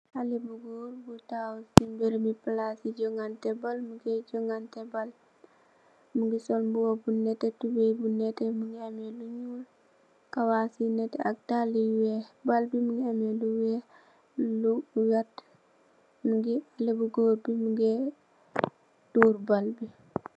Hale bu gopr mugi si palasi jogante bal. Ke jogante mugi sol buba bu nette, tubay bu nette mugi ameh lu nul ak kawas yu nette ak dala yu weyh bal bi tamit munge ameh lu weyh. halebu guur bi mu nge dorr bal bi.